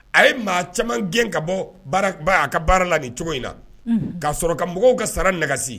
A ye maa caman gɛn ka bɔ a ka baara la ni cogo in na ka sɔrɔ ka mɔgɔw ka sara nɛgɛsi